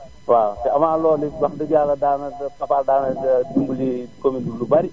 waaw te avant loolu wax dëgg Yàlla daanaka Fapal daa na dimbali commune bi lu bari